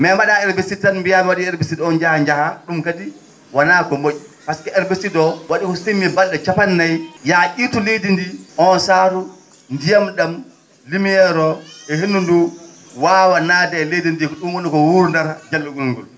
mais mba?a herbicide tan mbiya mi wa?i herbicide ja jahaa ?um kadi wonaa ko mo??i pasque herbicide o wa?i so timmii bal?e capan nayi yo a iirtu leydi ndii on saatu ndiyam ?am lumiére e henndu nduu waawa naatde e leydi ndii ?um woni ko wuurnata jallungol ngol